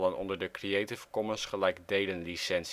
www.rtvnh.nl